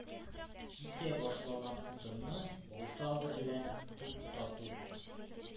Кисә башлаган утынны балта берлән «тук» та «тук»!